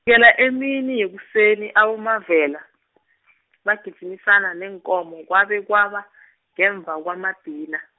ela emini yekuseni aboMavela , bagijimisane neenkomo kwabe kwaba , ngemva kwamadina.